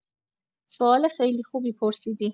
سوال خیلی خوبی پرسیدی.